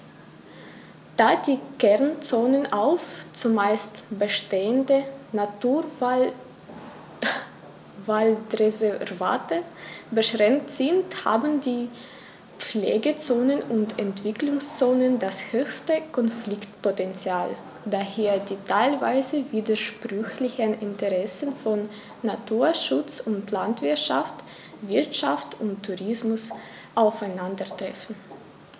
Da die Kernzonen auf – zumeist bestehende – Naturwaldreservate beschränkt sind, haben die Pflegezonen und Entwicklungszonen das höchste Konfliktpotential, da hier die teilweise widersprüchlichen Interessen von Naturschutz und Landwirtschaft, Wirtschaft und Tourismus aufeinandertreffen.